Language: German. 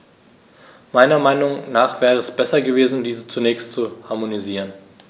Meiner Meinung nach wäre es besser gewesen, diese zunächst zu harmonisieren.